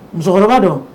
Musokɔrɔba don